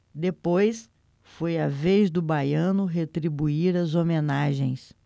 depois foi a vez do baiano retribuir as homenagens